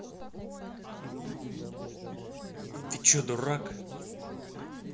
ты че дурак